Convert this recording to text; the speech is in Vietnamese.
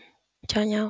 cho nhau